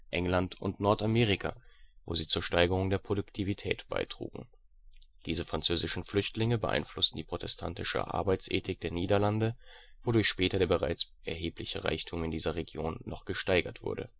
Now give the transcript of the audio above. England und Nordamerika, wo sie zur Steigerung der Produktivität beitrugen (diese französischen Flüchtlinge beeinflussten die protestantische Arbeitsethik der Niederlande, wodurch später der bereits erhebliche Reichtum in dieser Region noch gesteigert wurde